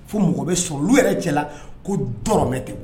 Fo mɔgɔ be sɔrɔ olu yɛrɛ cɛla la ko dɔrɔmɛ te